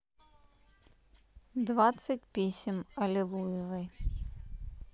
двадцать писем аллилуевой